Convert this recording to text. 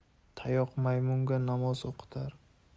tayoq maymunga namoz o'qitar